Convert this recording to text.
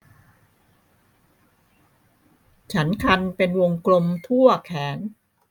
ฉันคันเป็นวงกลมทั่วแขน